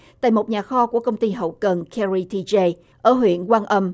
tại một nhà kho của công ty hậu cần ke ri ti trây ở huyện quan âm